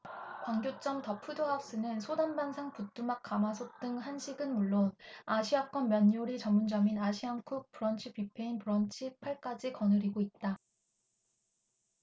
광교점 더 푸드 하우스는 소담반상 부뚜막 가마솥 등 한식은 물론 아시아권 면 요리 전문점인 아시안쿡 브런치뷔페인 브런치 팔 까지 거느리고 있다